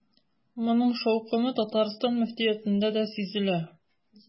Моның шаукымы Татарстан мөфтиятендә дә сизелә.